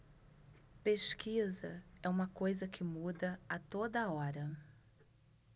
pesquisa é uma coisa que muda a toda hora